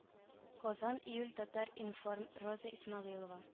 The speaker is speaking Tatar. Казан июль татар-информ роза исмәгыйлова